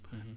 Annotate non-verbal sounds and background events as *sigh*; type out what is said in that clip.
*hesitation* *hesitation*